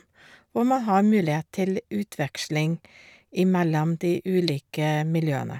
Og man har mulighet til utveksling imellom de ulike miljøene.